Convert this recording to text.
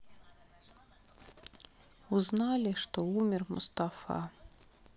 узнали что умер мустафа